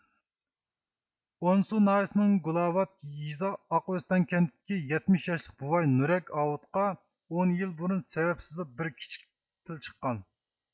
ئونسۇ ناھىيىسىنىڭ گۈلاۋات يېزا ئاقئۆستەڭ كەنتىدىكى يەتمىش ياشلىق بوۋاي نۇرەك ئاۋۇتقا ئون يىل بۇرۇن سەۋەبسىزلا بىر كىچىك تىل چىققان